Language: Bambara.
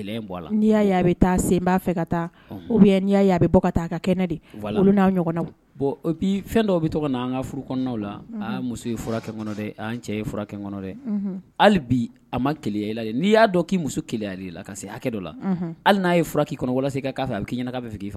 De olu n'a ɲɔgɔn fɛn dɔw bɛ' an ka furu kɔnɔ la muso fura an cɛ fura dɛ hali bi a ma kela la n'i y'a dɔn k'i musoya la ka se hakɛ dɔ la hali n'a ye fura k' kɔnɔ k'a fɛ a k'i fɛ' la